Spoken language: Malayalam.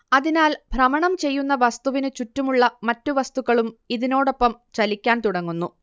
അതിനാൽ ഭ്രമണം ചെയ്യുന്ന വസ്തുവിനു ചുറ്റുമുള്ള മറ്റു വസ്തുക്കളും ഇതിനോടൊപ്പം ചലിക്കാൻ തുടങ്ങുന്നു